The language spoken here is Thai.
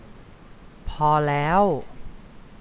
พอแล้ว